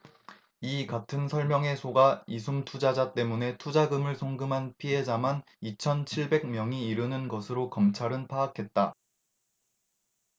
이 같은 설명에 속아 이숨투자자문에 투자금을 송금한 피해자만 이천 칠백 명이 이르는 것으로 검찰은 파악했다